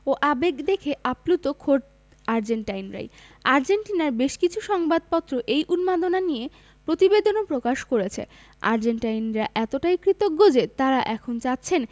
ও আবেগ দেখে আপ্লুত খোদ আর্জেন্টাইনরাই আর্জেন্টিনার বেশ কিছু সংবাদপত্র এই উন্মাদনা নিয়ে প্রতিবেদনও প্রকাশ করেছে আর্জেন্টাইনরা এতটাই কৃতজ্ঞ যে তাঁরা এখন চাচ্ছেন